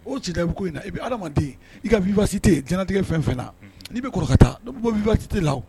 O ci i bɛ ko i bɛ ala man i ka vte tɲɛnatigɛ fɛn fɛn na n'i bɛ kɔrɔkɛta bɔte la